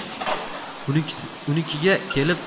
unikiga kelib